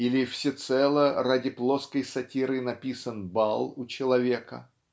Или всецело ради плоской сатиры написан бал у Человека.